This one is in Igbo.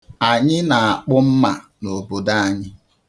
Anyị na-akpụ mma n'obodo anyị.